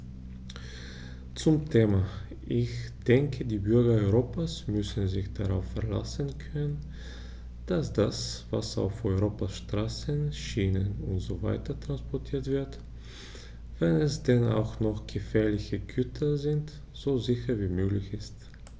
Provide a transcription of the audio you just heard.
Zum Thema: Ich denke, die Bürger Europas müssen sich darauf verlassen können, dass das, was auf Europas Straßen, Schienen usw. transportiert wird, wenn es denn auch noch gefährliche Güter sind, so sicher wie möglich ist.